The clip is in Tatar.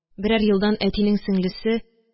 Берәр елдан әтинең сеңлесе